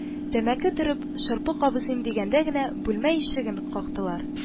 Тәмәке төреп, шырпы кабызыйм дигәндә генә, бүлмә ишеген кактылар